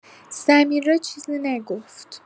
سمیرا چیزی نگفت.